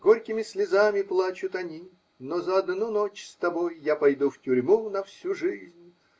Горькими слезами плачут они, но за одну ночь с тобой я пойду в тюрьму на всю жизнь.